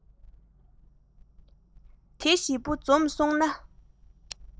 དེ བཞི བོ འཛོམས སོང ན